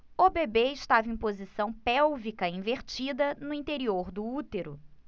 o bebê estava em posição pélvica invertida no interior do útero